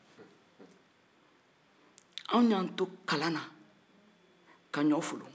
an y'an to kalan na ka folo